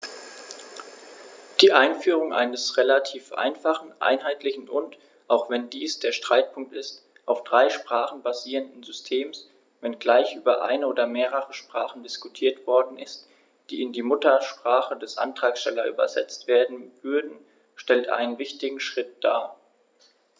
Die Einführung eines relativ einfachen, einheitlichen und - auch wenn dies der Streitpunkt ist - auf drei Sprachen basierenden Systems, wenngleich über eine oder mehrere Sprachen diskutiert worden ist, die in die Muttersprache des Antragstellers übersetzt werden würden, stellt einen wichtigen Schritt dar.